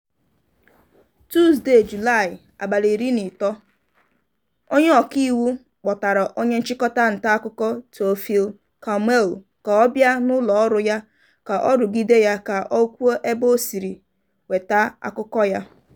Tuzdee, Julaị 13, onye ọka iwu kpọtara onye nchịkọta ntaakụkọ Théophile Kouamouo ka ọ bịa n'ụlọ ọrụ ya ka ọ rugide ya ka o kwuo ebe o siri nweta akụkọ ya.